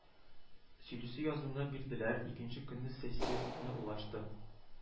Сөйлисе язуны бирделәр, икенче көнне сессияне ул ачты